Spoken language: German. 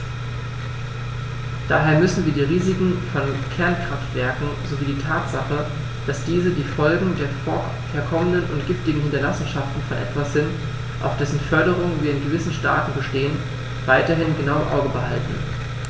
Daher müssen wir die Risiken von Kernkraftwerken sowie die Tatsache, dass diese die Folgen der verkommenen und giftigen Hinterlassenschaften von etwas sind, auf dessen Förderung wir in gewissen Staaten bestehen, weiterhin genau im Auge behalten.